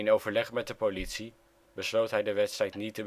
overleg met de politie besloot hij de wedstrijd niet